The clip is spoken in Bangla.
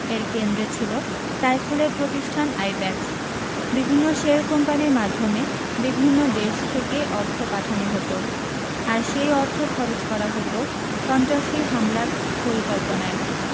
এর কেন্দ্রে ছিল সাইফুলের প্রতিষ্ঠান আইব্যাকস বিভিন্ন শেল কোম্পানির মাধ্যমে বিভিন্ন দেশ থেকে অর্থ পাঠানো হতো আর সেই অর্থ খরচ করা হতো সন্ত্রাসী হামলার পরিকল্পনায়